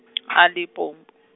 a- Limpomp-.